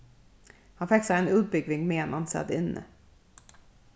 hann fekk sær eina útbúgving meðan hann sat inni